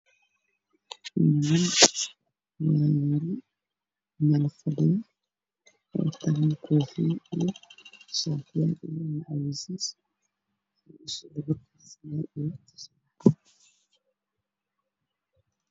Waa odayaal gaboobay wataan bakoorado